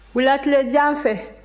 wulatilejan fɛ